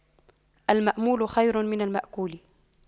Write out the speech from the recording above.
المأمول خير من المأكول